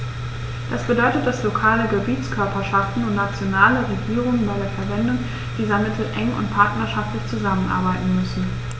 Das bedeutet, dass lokale Gebietskörperschaften und nationale Regierungen bei der Verwendung dieser Mittel eng und partnerschaftlich zusammenarbeiten müssen.